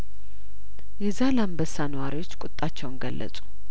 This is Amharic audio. የዛላምበሳ ነዋሪዎች ቁጣቸውን ገለጹ